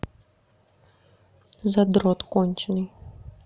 задрот конченный